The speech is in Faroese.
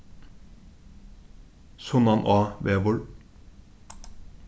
sunnanávegur